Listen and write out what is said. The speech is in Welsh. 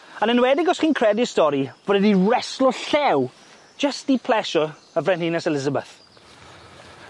Yn enwedig os chi'n credu'r stori fod e 'di reslo llew jyst i plesio y frenhines Elisabeth.